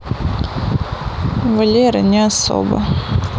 валера не особо